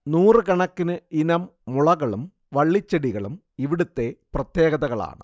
നൂറുകണക്കിന് ഇനം മുളകളും വളളിച്ചെടികളും ഇവിടുത്തെ പ്രത്യേകതകളാണ്